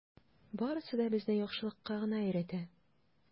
Барысы да безне яхшылыкка гына өйрәтә.